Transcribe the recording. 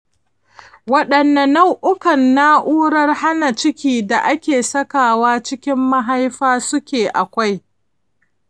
waɗanne nau’ukan na’urar hana ciki da ake sakawa cikin mahaifa suke akwai?